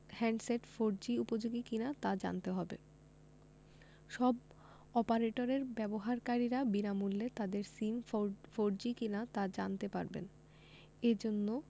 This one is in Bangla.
হ্যান্ডসেট ফোরজি উপযোগী কিনা তা জানতে হবে সব অপারেটরের ব্যবহারকারীরা বিনামূল্যে তাদের সিম ফোরজি কিনা তা জানতে পারবেন এ জন্য